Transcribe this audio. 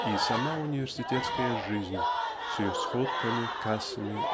И сама университетская жизнь с ее сходками кассами